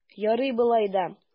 Ярар болай да!